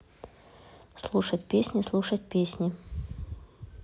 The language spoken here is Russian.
слушать песни слушать песни